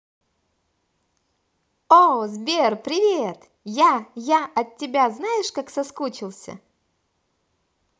о сбер привет я я от тебя знаешь как соскучился